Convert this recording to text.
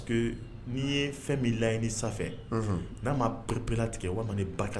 Ke ni ye fɛn min lajɛ ni sanfɛ, na ma pereperelatigɛ walima ni ba